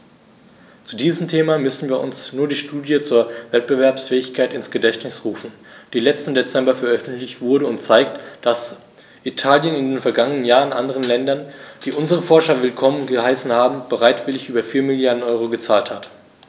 Zu diesem Thema müssen wir uns nur die Studie zur Wettbewerbsfähigkeit ins Gedächtnis rufen, die letzten Dezember veröffentlicht wurde und zeigt, dass Italien in den vergangenen Jahren anderen Ländern, die unsere Forscher willkommen geheißen haben, bereitwillig über 4 Mrd. EUR gezahlt hat.